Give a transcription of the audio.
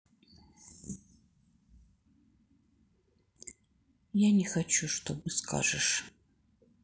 я не хочу чтобы скажешь